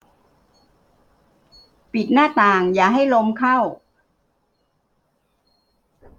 ปิดหน้าต่างอย่าให้ลมเข้า